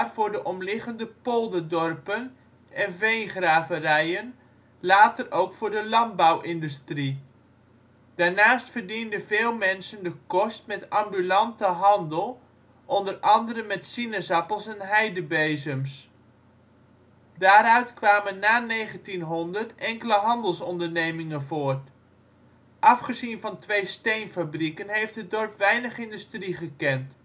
voor de omliggende polderdorpen en veengraverijen, later ook voor de landbouwindustrie. Daarnaast verdienden veel mensen de kost met ambulante handel, onder andere met sinaasappels en heidebezems. Daaruit kwamen na 1900 enkele handelsondernemingen voort. Afgezien van twee steenfabrieken heeft het dorp weinig industrie gekend